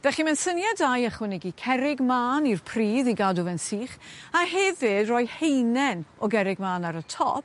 Felly ma'n syniad da i ychwanegu cerrig man i'r pridd i gadw fe'n sych a hefyd roi haenen o gerrig man ar y top